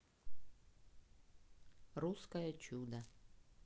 русское чудо